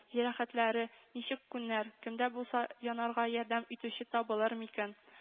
Җәрәхәтләре ничек күнәр, кемдә булса янарга ярдәм итүче табылыр микән